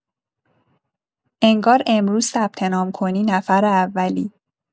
انگار امروز ثبت‌نام کنی نفر اولی